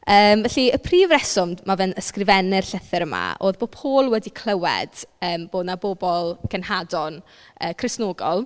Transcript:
Yym felly y prif reswm mae fe'n ysgrifennu'r llythyr yma oedd bod Paul wedi clywed yym bod 'na bobl... cenhadon yy Cristnogol.